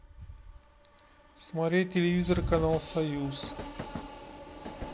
смотреть телевизор канал союз